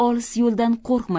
olis yo'ldan qo'rqma